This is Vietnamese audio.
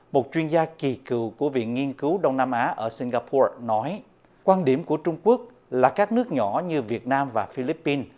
một chuyên gia kỳ cựu của viện nghiên cứu đông nam á ở sinh ga po nói quan điểm của trung quốc là các nước nhỏ như việt nam và phi líp pin